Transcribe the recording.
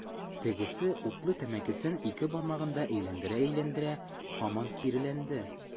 Тегесе, утлы тәмәкесен ике бармагында әйләндерә-әйләндерә, һаман киреләнде.